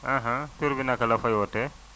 tur bi naka la fooy woote